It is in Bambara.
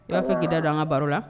I b'a fɛ'da dɔn an ka baro la